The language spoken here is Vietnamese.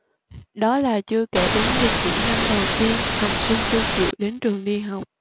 đó là chưa kể đến việc những năm đầu tiên học sinh chưa chịu đến trường đi học